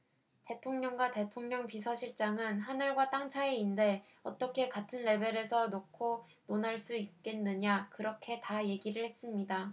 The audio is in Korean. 대통령과 대통령 비서실장은 하늘과 땅 차이인데 어떻게 같은 레벨에서 놓고 논할 수가 있겠느냐 그렇게 다 얘기를 했습니다